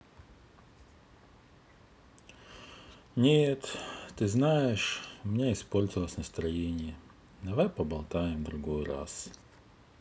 нет ты знаешь у меня испортилось настроение давай поболтаем в следующий раз